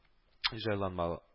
Җайланма